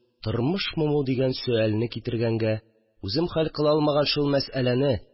«тормышмы бу?» дигән сөальне китергәнгә, үзем хәл кыла алмаган шул мәсьәләне